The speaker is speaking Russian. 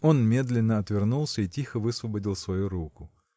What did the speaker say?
Он медленно отвернулся и тихо высвободил свою руку.